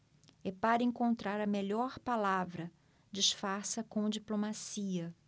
é para encontrar a melhor palavra disfarça com diplomacia